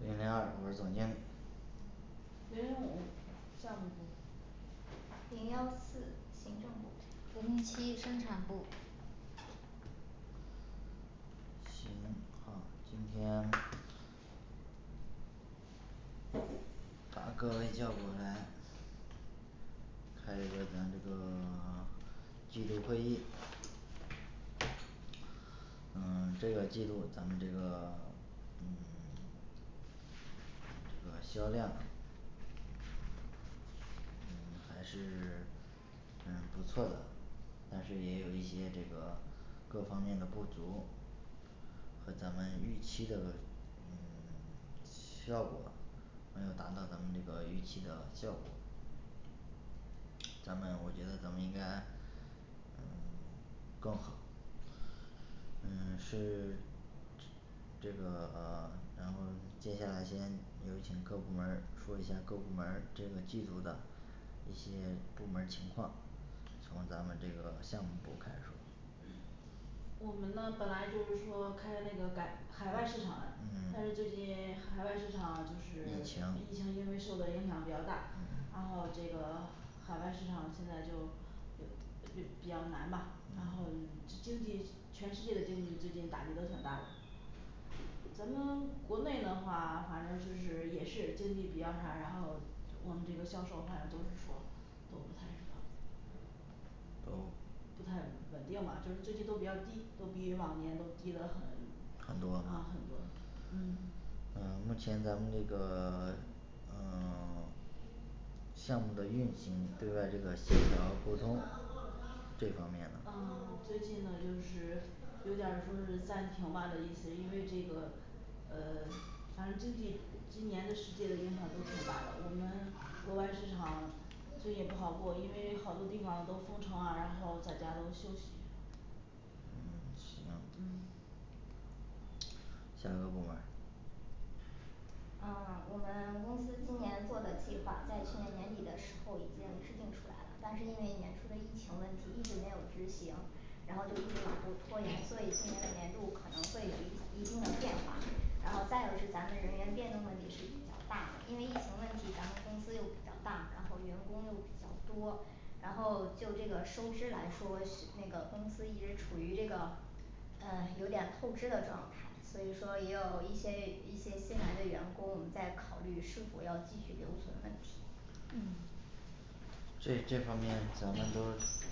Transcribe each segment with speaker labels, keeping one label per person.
Speaker 1: 零零二我是总经理
Speaker 2: 零零五项目部
Speaker 3: 零幺四行政部
Speaker 4: 零零七生产部
Speaker 1: 行好今天 把各位叫过来开一个咱这个 季度会议嗯这个季度咱们这个 嗯 呃销量嗯 还是 嗯不错的但是也有一些这个各方面的不足，和咱们预期这个嗯 效果，没有达到咱们这个预期的效果咱们我觉得咱们应该嗯 更好嗯 是 这个 然后接下来先有请各部门儿说一下各部门儿针对技术的一些部门儿情况。从咱们这个项目部开始说，
Speaker 2: 我们呢本来就是说开那个改海外市场嘞但是
Speaker 1: 嗯
Speaker 2: 最近海外市场就是
Speaker 1: 疫情
Speaker 2: 疫情，因为受的影响比较大海外市场现在就有就比较难吧，然后经济全世界的经济最近打击都挺大的，咱们国内呢话反正就是也是经济比较差，都 然后我们这个销售反正都是说都不太什么
Speaker 1: 都
Speaker 2: 不太稳定吧，就是最近都比较低，都低于往年都低得很嗯很
Speaker 1: 很
Speaker 2: 嗯
Speaker 1: 多
Speaker 2: 很多&嗯&
Speaker 1: 嗯 目前咱们这个 嗯 项目的运行，对外这个协调沟通这方面呢
Speaker 2: 嗯最近呢就是有点儿说是暂停吧的意思，因为这个呃 反正经济今年的世界的影响都挺大的，我们国外市场所以也不好过，因为好多地方儿都封城啊，然后在家都休息。
Speaker 1: 嗯行
Speaker 2: 嗯
Speaker 1: 下个部门儿
Speaker 3: 嗯我们公司今年做的计划在去年年底的时候已经制定出来了，但是因为年初的疫情问题一直没有执行然后就一直往后拖延，所以今年的年度可能会有一一定的变化。然后再有是咱们人员变动问题是比较大的，因为疫情问题咱们公司又比较大，然后员工又比较多然后就这个收支来说是那个公司一直处于这个嗯有点透支的状态所以说也有一些一些新来的员工，在考虑是否要继续留存问题
Speaker 2: 嗯
Speaker 1: 这这方面咱们都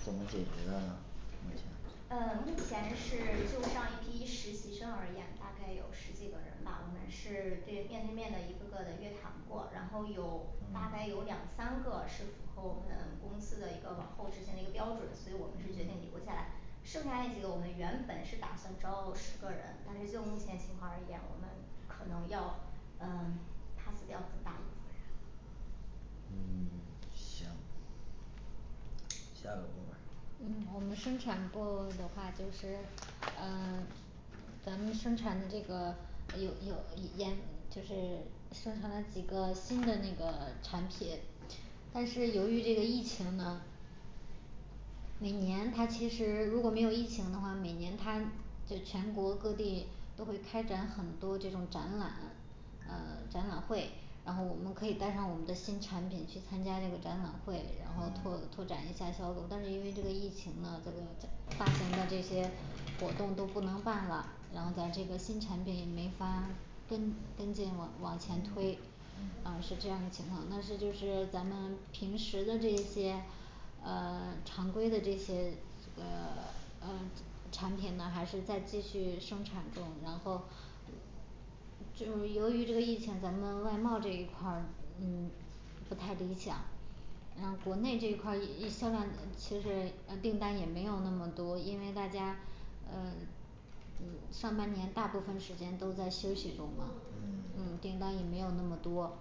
Speaker 1: 怎么解决的呢？目前
Speaker 3: 呃目前是就上一批实习生而言，大概有十几个人吧，我们是对面对面的一个个的约谈过，然后有大概有两三个是符合我们公司的一个往后执行的一个标准，所以我们是决定留下来剩下那几个我们原本是打算招十个人，但是就目前情况而言，我们可能要嗯pass掉很大一部分人。
Speaker 1: 嗯 行下个部门儿
Speaker 4: 嗯我们生产部的话，就是嗯 咱们生产的这个有有严就是生成了几个新的那个产品，但是由于这个疫情呢每年它其实如果没有疫情的话，每年它在全国各地都会开展很多这种展览，呃 展览会，然后我们可以带上我们的新产品去参加这个展览会，然后拓拓展一下销路，但是因为这个疫情呢都大型的这些活动都不能办了，然后咱这个新产品也没法儿跟跟进往往前推，
Speaker 1: 嗯
Speaker 4: 呃是这样的情况，但是就是咱们平时的这些呃常规的这些呃呃产品呐还是在继续生产中，然后这种由于这个疫情咱们外贸这一块儿嗯不太理想然后国内这一块儿疫疫现在其实订单也没有那么多，因为大家呃嗯上半年大部分时间都在休息中嘛
Speaker 1: 嗯
Speaker 4: 嗯订单也没有那么多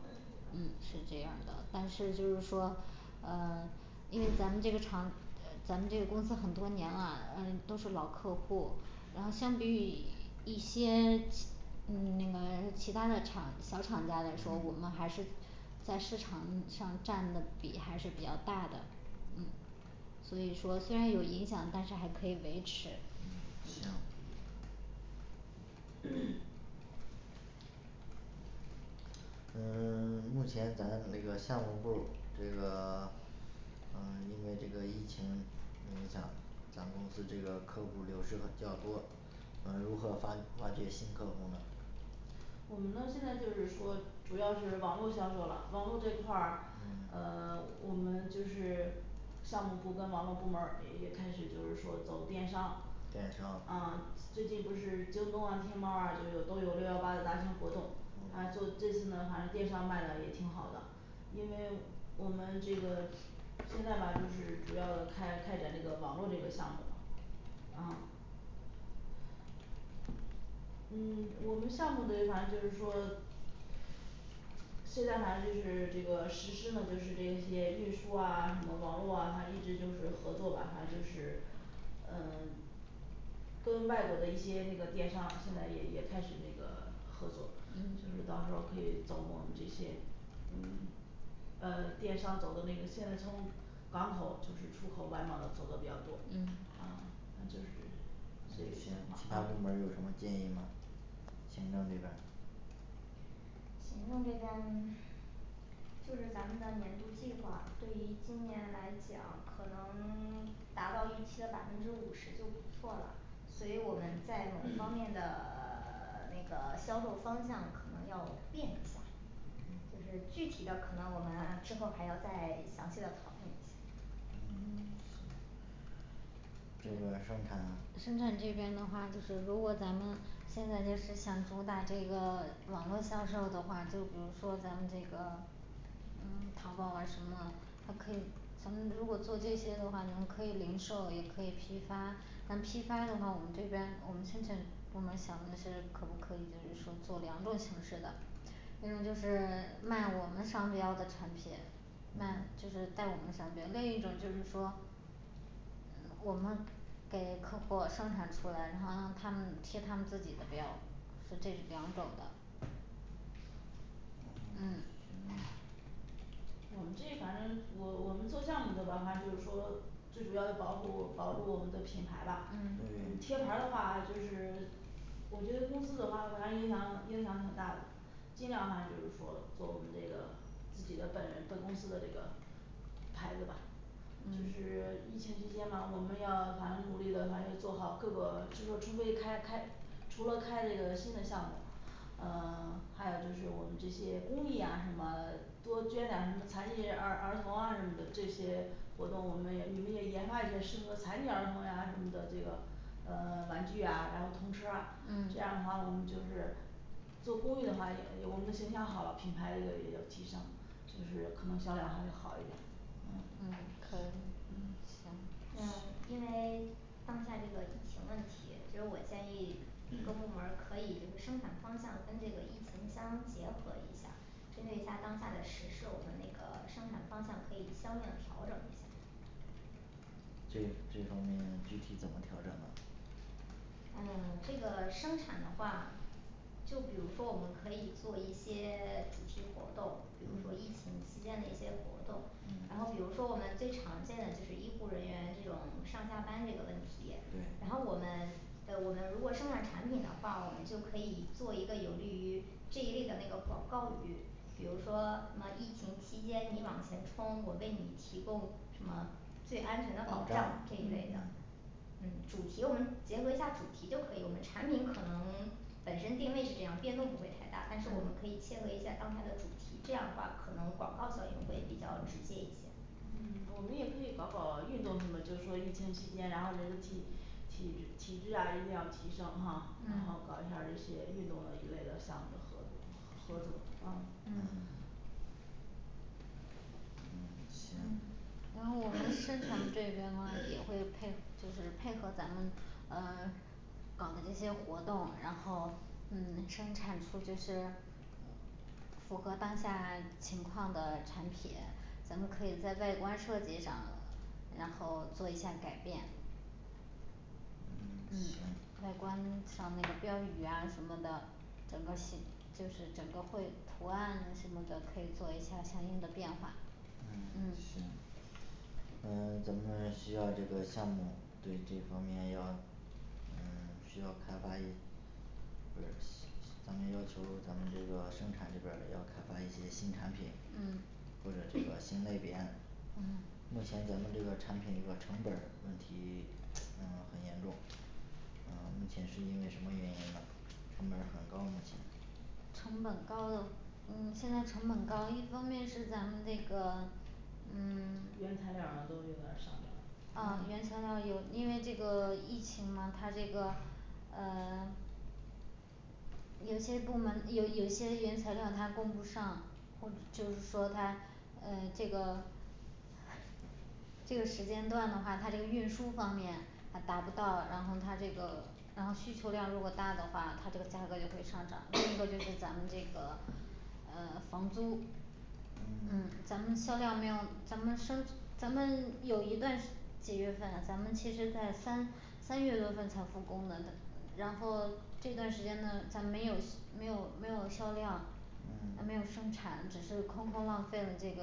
Speaker 4: 嗯是这样儿的，但是就是说呃因为咱们这个厂咱们这个公司很多年啦，嗯都是老客户，然后相比于一些嗯那个其他的厂小厂家来说，我们
Speaker 1: 嗯
Speaker 4: 还是在市场上占的比还是比较大的。嗯所以说虽然有影响，但是还可以维持
Speaker 1: 嗯行 嗯 目前咱这个 项目部儿这个 嗯因为这个疫情影响咱公司这个客户流失呢比较多，呃如何发挖掘新客户呢
Speaker 2: 我们呢现在就是说主要是网络销售了，网络这块儿
Speaker 1: 嗯
Speaker 2: 嗯我们就是项目部跟网络部门儿也开始就是说走电商
Speaker 1: 电商
Speaker 2: 啊最近不是京东啊天猫儿呀就有都有六幺八的大型活动他做这次呢反正电商卖的也挺好的，因为我们这个现在吧就是主要的开开展这个网络这个项目嘛嗯嗯 我们项目这一环就是说现在反正就是 这个实施呢就是这些运输啊什么网络啊，反正一直就是合作吧，反正就是嗯跟外国的一些那个电商现在也也开始那个合作，就是到时候儿可以走我们这些嗯嗯电商走的那个，现在从港口就是出口外贸的走的比较多
Speaker 3: 嗯
Speaker 2: 啊那就是
Speaker 1: 这一些其他部门儿有什么建议吗？行政这边儿
Speaker 3: 行政这边就是咱们的年度计划对于今年来讲，可能 达到预期的百分之五十就不错了所以我们在某一方面的 那个销售方向可能要变一下，就是具体的可能我们之后还要再详细的讨论一下。
Speaker 1: 嗯行这个生产呢
Speaker 4: 生产这边的话，就是如果咱们现在就是想主打这个网络销售的话，就比如说咱们这个嗯淘宝啊什么的，它可以咱们如果做这些的话，咱们可以零售也可以批发，咱批发的话我们这边我们生产部门想的是可不可以就是说做两种形式的，因为就是卖我们商标的产品，那就是带我们商标，另一种就是说我们给客户生产出来然后他们贴他们自己的标，是这两种的。嗯
Speaker 2: 我们这反正我我们做项目的吧反正就是说最主要的保护保住我们的品牌吧
Speaker 4: 嗯
Speaker 2: 贴
Speaker 1: 对
Speaker 2: 牌儿的话，就是我觉得公司的话反正影响影响挺大的尽量反正就是说做我们这个自己的本人本公司的这个牌子吧
Speaker 4: 就是疫情期间吧我们要反复努力的话，要做好各个就是除非开开除了开了一个新的项目嗯 还有就是我们这些工艺啊什么多捐点儿什么残疾儿儿童啊什么的这些活动，我们也你们也研发一些适合残疾儿童呀什么的这个
Speaker 2: 嗯玩具呀，然后童车儿
Speaker 4: 嗯
Speaker 2: 这样的话我们就是做公益的话也我们的形象好了，品牌这个也有提升，就是可能销量还会好一点儿
Speaker 1: 嗯
Speaker 4: 嗯，可以
Speaker 2: 嗯
Speaker 4: 行
Speaker 3: 那因为当下这个疫情问题，所以我建议各部门 儿可以跟生产方向跟这个疫情相结合一下，针对一下当下的时事，我们那个生产方向可以相应调整一下
Speaker 1: 这这方面具体怎么调整的？
Speaker 3: 嗯，这个生产的话，就比如说我们可以做一些 主题活动，比如说疫情期间的一些活动然
Speaker 1: 嗯
Speaker 3: 后比如说我们最常见的就是医护人员这种上下班这个问题然
Speaker 1: 对
Speaker 3: 后我们呃我们如果生产产品的话，我们就可以做一个有利于这一类的那个广告语，比如说什么疫情期间你往前冲，我为你提供什么最安全的保
Speaker 1: 保障
Speaker 3: 障，这一类
Speaker 1: 嗯
Speaker 3: 的
Speaker 1: 嗯
Speaker 3: &嗯&主题我们结合一下主题就可以，我们产品可能本身定位是这样，变动不会太大，&嗯&但是我们可以切合一下当下的主题，这样的话可能广告效应会比较直接一些。嗯
Speaker 2: 我们也可以搞搞运动什么，就是说疫情期间，然后人的体体制体制呀一定要提升哈，然后
Speaker 3: 嗯
Speaker 2: 搞一下儿这些运动了一类的项目的合作。啊
Speaker 3: 嗯
Speaker 1: 嗯，行
Speaker 4: 然后我们 生产 这边 话也会配就是配合咱们呃搞的这些活动，然后嗯生产出就是符合当下情况的产品，咱们可以在外观设计上然后做一下改变。嗯
Speaker 1: 嗯，行
Speaker 4: 外观像那个标语呀什么的，整个写就是整个绘图案什么的，可以做一下相应的变化
Speaker 1: 嗯，
Speaker 4: 嗯
Speaker 1: 行嗯 咱们需要这个项目对这方面要嗯需要开发一不是咱们要求咱们这个生产这边儿要开发一些新产品
Speaker 4: 嗯
Speaker 1: 或者什么新类别
Speaker 4: 嗯
Speaker 1: 目前咱们这个产品一个成本儿问题嗯很严重嗯目前是因为什么原因呢？成本儿很高问题。
Speaker 3: 成本高嗯现在成本高，一方面是咱们这个嗯
Speaker 4: 原材料儿啊都有点儿上涨
Speaker 3: 啊原
Speaker 4: 嗯
Speaker 3: 材料有，因为这个疫情嘛它这个呃 有些部门有有些原材料他供不上或者就是说他呃这个这个时间段的话，它就运输方面还达不到，然后它这个然后需求量如果大的话，它这个价格就会上涨，然后就是咱们这个呃房租
Speaker 4: 嗯
Speaker 1: 嗯
Speaker 4: 咱们销量没有，咱们生咱们有一段几月份啊，咱们其实在三三月多份才复工的然后这段时间呢咱没有没有没有销量它没
Speaker 1: 嗯
Speaker 4: 有生产只是空空浪费了这个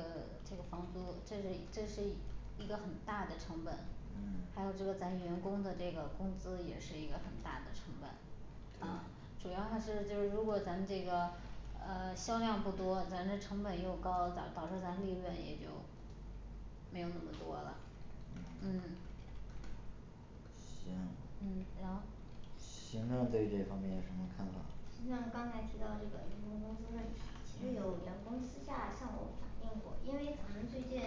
Speaker 4: 这个房租，这得这是一一个很大的成本
Speaker 1: 嗯
Speaker 4: 还有这个咱员工的这个工资也是一个很大的成本
Speaker 3: 啊主要还是就是如果咱们这个呃销量不多，咱这成本又高，导导致咱利润也就
Speaker 4: 没有那么多了嗯
Speaker 1: 嗯行
Speaker 4: 嗯行
Speaker 1: 行政对这方面有什么看法？
Speaker 3: 你像刚才提到这个员工工资问题，其实有员工私下向我反映过，因为咱们最近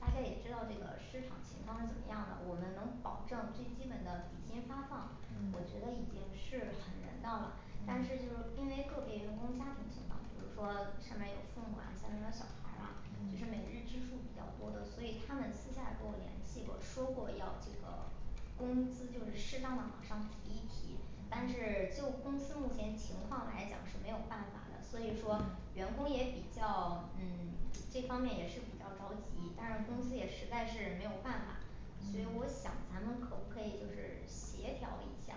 Speaker 3: 大家也知道这个市场情况是怎么样的，我们能保证最基本的底薪发放，我觉得已经是很人道了，但是就是因为个别员工家庭情况，比如说上面儿有父母啊下面儿有小孩儿啊就是每
Speaker 1: 嗯
Speaker 3: 日支出比较多的，所以他们私下跟我联系，我说过要这个工资就是适当的往上提一提，但是就公司目前情况来讲是没有办法的，所以说员工也比较嗯 这方面也是比较着急，但是公司也实在是没有办法。所以我想咱们可不可以就是协调一下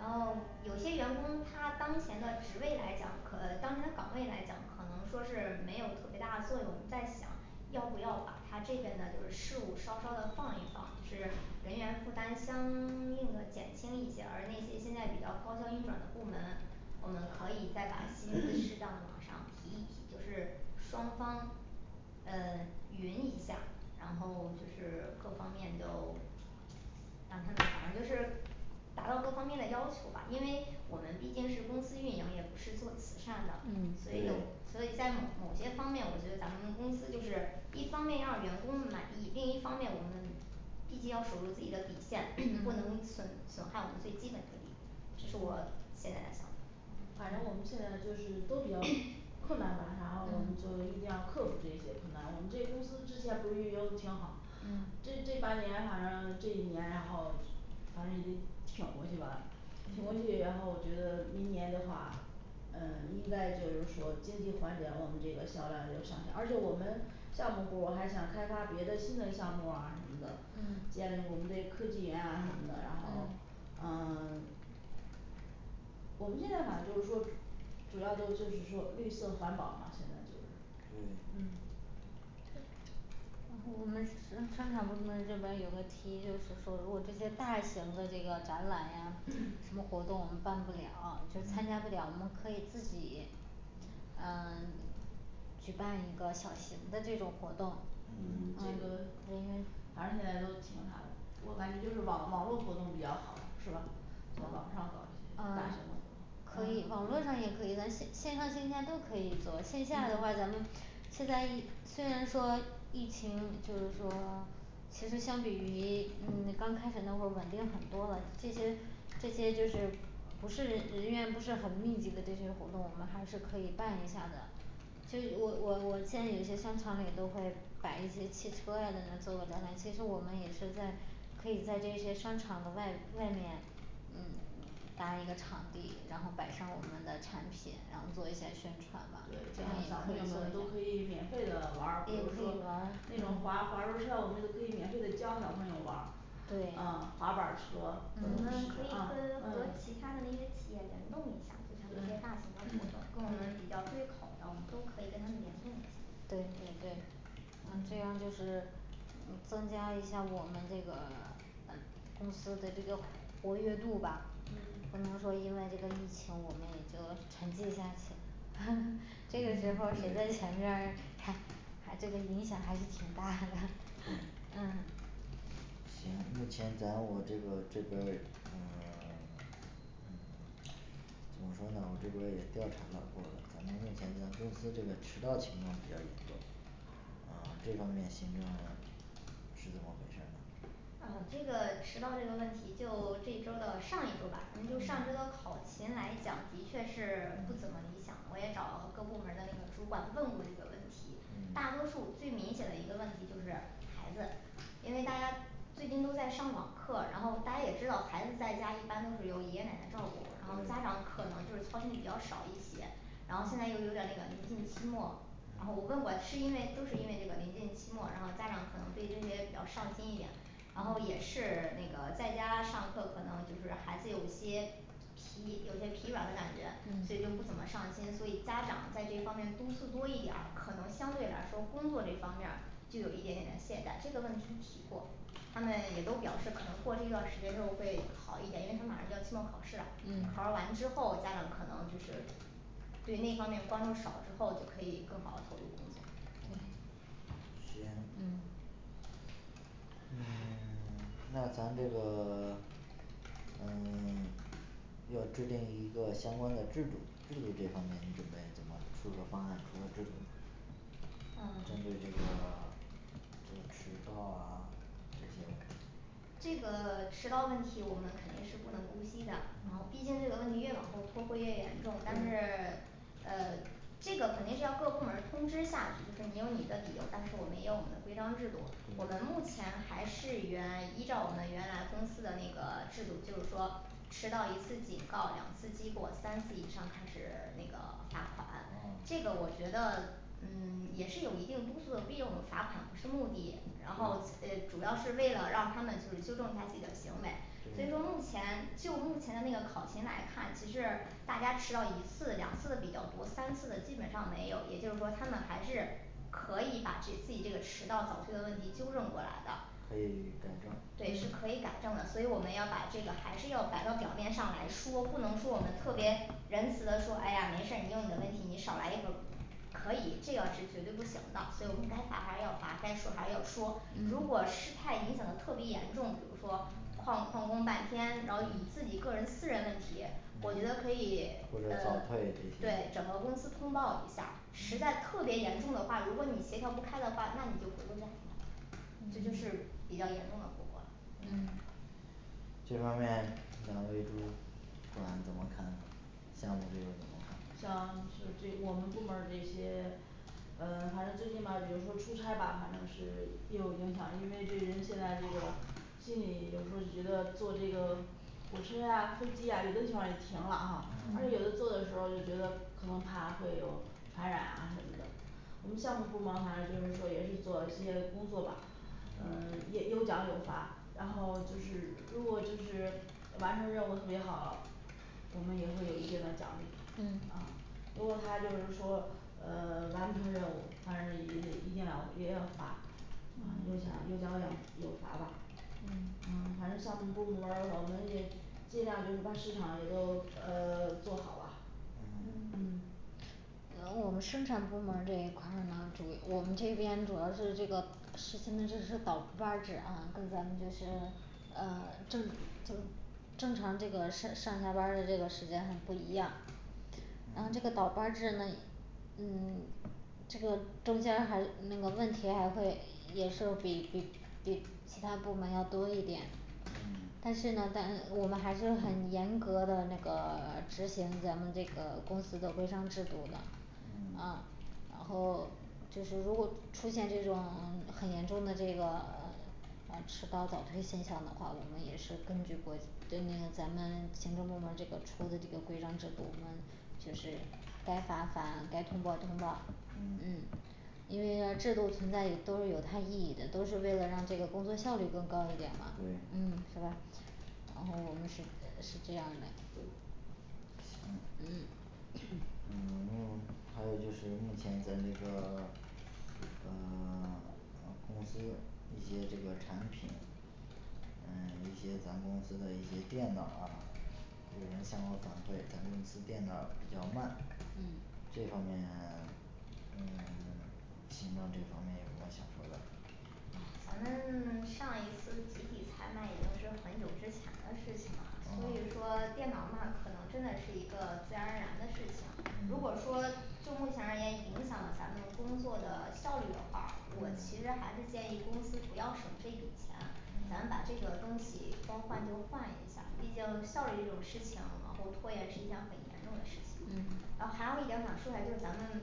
Speaker 3: 然后有些员工他当前的职位来讲，可当前的岗位来讲，可能说是没有特别大的作用再想要不要把他这边的就是事物稍稍的放一放就是人员负担相 应的减轻一些，而那些现在比较高效运转的部门我们可以再把薪资适当的往上提一提，就是双方呃匀一下，然后就是各方面都让他们反正就是达到各方面的要求吧，因为我们毕竟是公司运营，也不是做慈善的所
Speaker 2: 嗯
Speaker 3: 以有所以在某些方面我觉得咱们公司就是一方面让员工满意另一方面我们毕竟要守住自己的底线 &嗯&不能损损害我们最基本的利益，这是我现在的想法。
Speaker 2: 反正我们现在就是都比较 困难吧，然后我们
Speaker 3: 嗯
Speaker 2: 就一定要克服这些困难，我们这公司之前不是运营挺好
Speaker 3: 嗯
Speaker 2: 这这半年反正这一年然后反正咱也得挺过去吧，挺过去然后明年的话嗯应该就是说经济缓解了我们这个销量就上去了而且我们项目部儿还想开发别的新的项目啊什么的
Speaker 3: 嗯
Speaker 2: 建立我们这个科技园啊什么的然后呃 我们现在反正就是说主要就就是说绿色环保嘛现在就是
Speaker 1: 对
Speaker 2: 嗯
Speaker 4: 我们生 生产部门儿这边儿有个提议，就是说如果这些大型的这个展览呀 什么活动我们办不了，就是参加不了，我们可以自己嗯举办一个小型的这种活动
Speaker 2: 嗯这个
Speaker 4: 嗯
Speaker 2: 反正起来都挺那啥的我感觉就是网网络活动比较好是吧？呃网上搞一些呃大型
Speaker 4: 嗯
Speaker 2: 的活动
Speaker 4: 可以，
Speaker 2: 嗯
Speaker 4: 网络上也可以，咱线线上线下都可以做，线下的
Speaker 2: 嗯
Speaker 4: 话咱们现在疫虽然说疫情，就是说其实相比于你刚开始那会稳定很多了，这些，这些就是不是人员不是很密集的这些活动，我们还是可以办一下的。就是我我我见有些商场里都会摆一些汽车啊在那做个展览，其实我们也是在可以在那些商场的外外面嗯搭一个场地，然后摆上我们的产品，然后做一下宣传嘛
Speaker 2: 对叫小朋友们都可以免费的玩
Speaker 4: 免
Speaker 2: 儿，比
Speaker 4: 费
Speaker 2: 如
Speaker 4: 玩
Speaker 2: 说
Speaker 4: 儿
Speaker 2: 那，种
Speaker 4: 嗯
Speaker 2: 滑滑轮儿车，我们都可以免费的教小朋友玩儿
Speaker 4: 对
Speaker 2: 啊滑板儿车
Speaker 3: 你
Speaker 2: 各
Speaker 3: 们
Speaker 2: 种吃
Speaker 3: 可以
Speaker 2: 的啊
Speaker 3: 跟和
Speaker 2: 啊
Speaker 3: 其他的那些企业联动一下就像那些大
Speaker 2: 对
Speaker 3: 型的活动
Speaker 2: 嗯
Speaker 3: 跟我们比
Speaker 2: 嗯
Speaker 3: 较对口的，我们都可以给他们联动一下
Speaker 4: 对对对那这样就是嗯增加一下我们这个嗯增收一下这个活跃度吧
Speaker 2: 嗯
Speaker 4: 不能说因为这个疫情我们也就沉寂下去 这个时候儿谁在前边儿还还这个影响还挺大的 嗯
Speaker 1: 行目前在我这个这边儿嗯 嗯怎么说呢我这边儿也调查了，我咱们目前咱公司这个迟到情况比较严重呃这方面行政是怎么回事儿？
Speaker 3: 啊这个迟到这个的问题就这周儿的上一周儿吧咱反正就上周的
Speaker 1: 嗯
Speaker 3: 考勤来讲，的确是不怎么
Speaker 1: 嗯
Speaker 3: 理想的，我也找各部门儿的那个主管问过这个问题大多
Speaker 1: 嗯
Speaker 3: 数最明显的一个问题就是孩子，因为大家最近都在上网课，然后大家也知道孩子在家一般都是由爷爷奶奶照顾然后家长可
Speaker 1: 对
Speaker 3: 能操心比较少一些然后现在有点儿那个临近期末，然后我问过是因为都是因为这个临近期末，然后家长可能对这些比较上心一点然后也是那个在家上课，可能就是孩子有些疲有些疲软的感觉所以就不
Speaker 4: 嗯
Speaker 3: 怎么上心，所以家长在这方面督促多一点儿，可能相对来说工作这方面儿就有一点点的懈怠这个问题提过他们也都表示可能过这段儿时间就会好一点，因为他马上就要期末考试啦考
Speaker 4: 嗯
Speaker 3: 试完之后，家长可能就是对那方面帮助少之后，就可以更好的投入工作
Speaker 1: 嗯行
Speaker 3: 嗯
Speaker 1: 嗯 那咱这个 嗯 要制定一个相关的制度，制度这方面你准备怎么出个方案出个制度
Speaker 3: 呃
Speaker 1: 针对这个 这个迟到啊这些问题
Speaker 3: 这个迟到问题我们肯定是不能姑息的毕
Speaker 1: 嗯
Speaker 3: 竟这个问题越往后拖会越严重，但是呃这个肯定是要各部门儿通知下去，就是你有你的理由，但是我们也有我们的规章制度，我们目前还是原依照我们原来公司的那个制度，就是说迟到一次警告两次，记过三次以上开始那个罚款，
Speaker 1: 啊
Speaker 3: 这个我觉得嗯 也是有一定督促的，毕业我们罚款不是目的，然
Speaker 1: 对
Speaker 3: 后诶主要是为了让他们就是纠正一下自己的行为
Speaker 1: 对
Speaker 3: 所以说目前就目前的那个考勤来看，其实大家迟到一次两次的比较多，三次的基本上没有，也就是说他们还是可以把这自己这个迟到早退的问题纠正过来的
Speaker 1: 可
Speaker 3: 对是可以
Speaker 1: 以
Speaker 3: 改
Speaker 1: 改正嗯
Speaker 3: 正的所以我们要把这个还是要摆到表面上来，说，不能说我们特别仁慈的说哎呀没事儿你有你的问题你少来一分儿可以这个是绝对不行的，所以我们该罚还是要罚，该说还是要说如果
Speaker 1: 嗯
Speaker 3: 事态影响的特别严重，比如说矿旷工半天，然后以自己个人私人问题，我觉得可以
Speaker 1: 或者反馈
Speaker 3: 呃
Speaker 1: 也可
Speaker 3: 诶对
Speaker 1: 以
Speaker 3: 整个公司通报一下儿实在特别严重的话，如果你协调不开的话，那你就回个假&嗯&这就是比较严重的后果啦。
Speaker 1: &嗯&这方面两位主管怎么看像这个
Speaker 2: 像是这我们部门儿这些呃反正最近吧比如说出差吧反正是也有影响因为这人现在这个心里有时候儿就觉得坐这个火车呀飞机呀有的情况也停了哈，而且
Speaker 1: 嗯
Speaker 2: 有的坐的时候就觉得可能怕会有传染啊什么的我们项目部嘛好像就是说也是做一些工作吧，嗯也有奖有罚，然后就是如果就是呃完成任务特别好，我们也会有一定的奖励
Speaker 3: 对
Speaker 2: 嗯如果他就是说呃 完不成任务，当然也得一定要也要发嗯有奖有奖奖有罚吧
Speaker 1: 嗯
Speaker 2: 嗯还是项目各部门儿我们也尽量就是把市场也都呃 做好吧
Speaker 1: 嗯
Speaker 4: 嗯
Speaker 2: 嗯
Speaker 4: 然后我们生产部门儿这一块儿呢属于我们这边主要是这个实行的这是倒班儿制啊，跟咱们就是啊正就正常这个上上下班儿的这个时间很不一样嗯这个
Speaker 1: 嗯
Speaker 4: 倒班儿制呢嗯 这个中间还是那个问题，还会也是比比比其他部门要多一点
Speaker 1: 嗯
Speaker 4: 但是呢咱我们还是很严格的那个 执行咱们这个公司的规章制度的
Speaker 2: 啊然后就是如果出现这种嗯很严重的这个呃
Speaker 3: 呃迟到早退现象的话，我们也是根据国根据咱们行政部门儿这个出的这个规章制度，我们
Speaker 4: 就是该罚罚该通报通报嗯
Speaker 1: 嗯
Speaker 4: 因为了制度存在都是有它意义的，都是为了让这个工作效率更高一点嘛
Speaker 1: 对
Speaker 4: 嗯是吧？然后我们是是这样儿的
Speaker 1: 行
Speaker 4: 嗯
Speaker 1: 嗯目还有就是目前在那个 嗯 公司一些这个产品嗯 一些咱公司的一些电脑啊，有人向我反馈咱公司电脑儿比较慢
Speaker 4: 嗯
Speaker 1: 这方面嗯 行政这方面有没有想说的
Speaker 3: 咱们 上一次集体采买已经是很久之前的事情了所以
Speaker 1: 嗯
Speaker 3: 说电脑慢可能真的是一个自然而然的事情如果
Speaker 1: 嗯
Speaker 3: 说就目前而言影响了咱们工作的效率的话，我其实
Speaker 1: 嗯
Speaker 3: 还是建议公司不要省这笔钱咱们把这个东西该换就换一下，毕竟效率这种事情，往后拖延是一件很严重的事情&嗯&然后还有一点想说一下，就是咱们